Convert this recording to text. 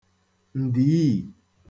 ǹdìiì